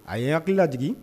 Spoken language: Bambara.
A ye hakili ladeigi